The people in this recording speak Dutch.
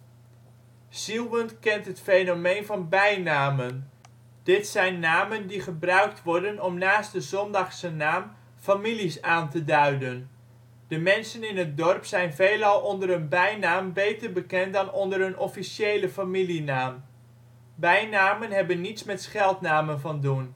Zieuwent kent het fenomeen van bijnamen. Dit zijn namen die gebruikt worden om naast de ' zondagse naam ' om families aan te duiden. De mensen in het dorp zijn veelal onder hun bijnaam beter bekend dan onder hun officiële familienaam. Bijnamen hebben niets met scheldnamen van doen